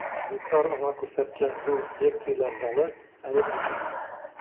Швейцар аңа күрсәткән зур лекцияләр залы әле буш иде.